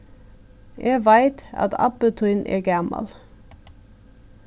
eg veit at abbi tín er gamal